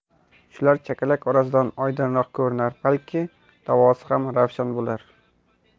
shular chakalak orasidan oydinroq ko'rinar balki davosi ham ravshan bo'lar